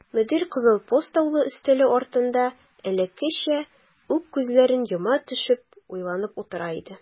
Мөдир кызыл постаулы өстәле артында элеккечә үк күзләрен йома төшеп уйланып утыра иде.